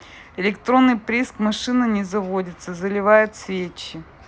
электронный прииск машина не заводится заливает свечи